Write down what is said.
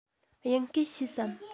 དབྱིན སྐད ཤེས སམ